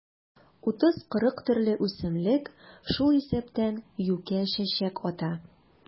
30-40 төрле үсемлек, шул исәптән юкә чәчәк ата.